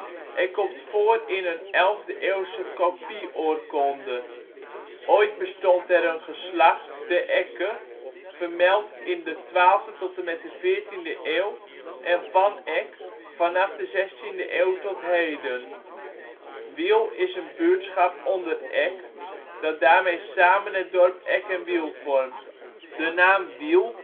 voor in een 11e eeuwse kopie-oorkonde. Ooit bestond er een een geslacht De Ecke, vermeld in 12e t/m 14e eeuw en Van Eck vanaf de 16e eeuw tot heden. Wiel is een buurtschap onder Eck, dat daarmee samen het dorp Eck en Wiel vormt. De naam Wiel